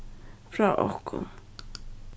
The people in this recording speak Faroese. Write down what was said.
frá okkum